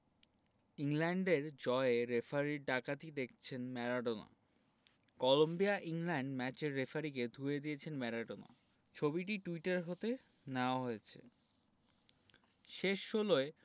ইংল্যান্ডের জয়ে রেফারির ডাকাতি দেখছেন ম্যারাডোনা কলম্বিয়া ইংল্যান্ড ম্যাচের রেফারিকে ধুয়ে দিয়েছেন ম্যারাডোনা ছবিটি টুইটার হতে নেয়া হয়েছে শেষ ষোলোয়